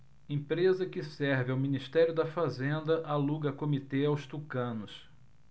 empresa que serve ao ministério da fazenda aluga comitê aos tucanos